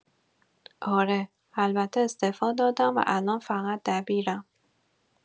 آره، البته استعفا دادم و الان فقط دبیرم